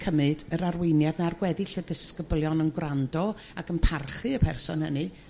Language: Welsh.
cym'yd yr arweiniad na'r gweddill y disgyblion yn gwrando ac yn parchu y person hynny